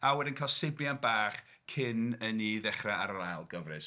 A wedyn cael seibiant bach cyn i ni ddechrau ar yr ail gyfres.